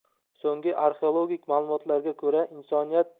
so'nggi arxeologik malumotlarga ko'ra insoniyat